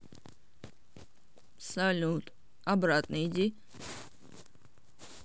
салют обратно иди